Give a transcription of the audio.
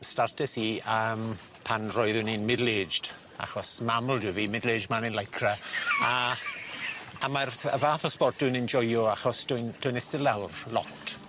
Startes i yym pan roeddwn i'n middle-aged achos maml dyw fi, middle-aged man in lycra a a mae'r ff- yy fath o sbort dwi'n enjoio achos dwi'n dwi'n iste lawr lot.